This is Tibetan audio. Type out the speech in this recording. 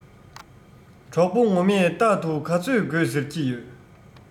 གྲོགས པོ ངོ མས རྟག དུ ག ཚོད དགོས ཟེར གྱི ཡོད